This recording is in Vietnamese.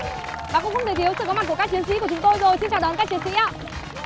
và cũng không thể thiếu sự có mặt của các chiến sĩ của chúng tôi rồi xin chào đón các chiến sĩ ạ